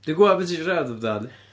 Dw i'n gwybod be ti siarad am.